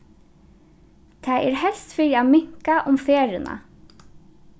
tað er helst fyri at minka um ferðina